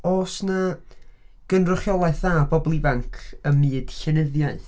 Oes 'na gynrychiolaeth dda o bobl ifanc ym myd llenyddiaeth?